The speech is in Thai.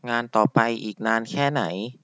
งานต่อไปอีกนานแค่ไหน